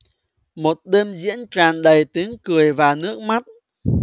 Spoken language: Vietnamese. một đêm diễn tràn đầy tiếng cười và nước mắt